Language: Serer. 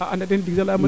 a anda den tig sax